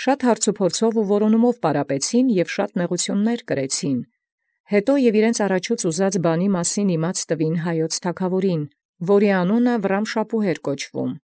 Բազում հարցափորձի և քննութեան զանձինս պարապեցուցեալ և բազում աշխատութեանց համբերեալ, ազդ առնէին ապա և զկանխագոյն խնդրելին իւրեանց թագաւորին Հայոց, որոյ անուն կոչէր Վռամշապուհ։